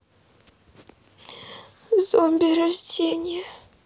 zombie рождение